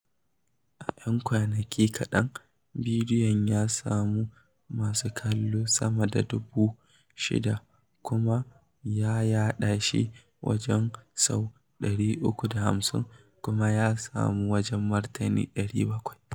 A 'yan kwanaki kaɗan, bidiyon ya samu masu kallo sama da dubu 60, kuma na yaɗa shi wajen sau 350 kuma ya samu wajen martani 700.